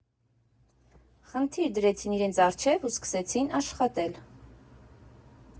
Խնդիր դրեցին իրենց առջև ու սկսեցին աշխատել։